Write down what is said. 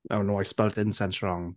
Oh no, I spelled incense wrong.